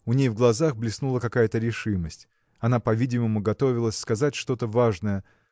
У ней в глазах блеснула какая-то решимость. Она по-видимому готовилась сказать что-то важное